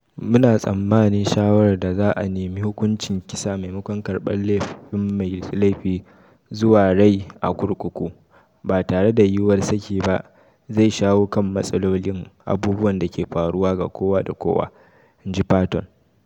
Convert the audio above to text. "Mu na tsammanin shawarar da za a nemi hukuncin kisa maimakon karɓar laifin mai laifi zuwa rai a kurkuku ba tare da yiwuwar saki ba zai shawo kan matsalolin abubuwan da ke faruwa ga kowa da kowa", inji Patton.